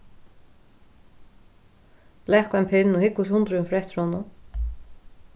blaka ein pinn og hygg hvussu hundurin fer eftir honum